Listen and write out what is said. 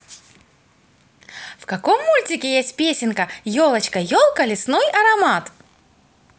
в каком мультике есть песенка елочка елка лесной аромат